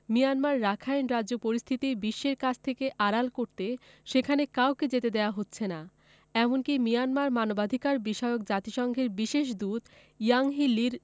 Myanmar Rakhine রাজ্য পরিস্থিতি বিশ্বের কাছ থেকে আড়াল করতে সেখানে কাউকে যেতে দিচ্ছে না এমনকি মিয়ানমারে মানবাধিকারবিষয়ক জাতিসংঘের বিশেষ দূত ইয়াংহি লির